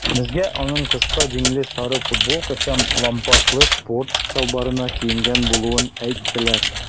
Безгә аның кыска җиңле сары футболка һәм лампаслы спорт чалбарына киенгән булуын әйттеләр.